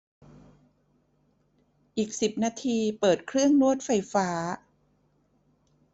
อีกสิบนาทีเปิดเครื่องนวดไฟฟ้า